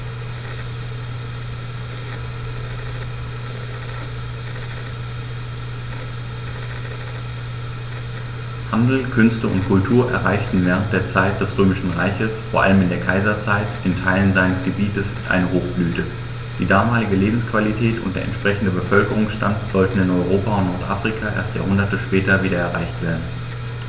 Handel, Künste und Kultur erreichten während der Zeit des Römischen Reiches, vor allem in der Kaiserzeit, in Teilen seines Gebietes eine Hochblüte, die damalige Lebensqualität und der entsprechende Bevölkerungsstand sollten in Europa und Nordafrika erst Jahrhunderte später wieder erreicht werden.